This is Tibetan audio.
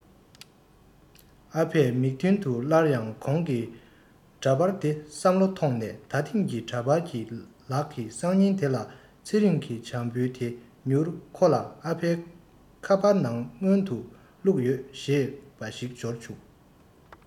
ཨ ཕའི མིག མདུན དུ སླར ཡང གོང གི འདྲ པར དེ བསམ བློ ཐོངས ནས ད ཐེངས ཀྱི འདྲ པར གྱི ལག གི སང ཉིན དེ ལ ཚེ རིང གི བྱང བུའི དེ མྱུར ཁོ ལ ཨ ཕའི ཁ པར ནང དོན དངུལ བླུག ཡོད ཞེས པ ཞིག འབྱོར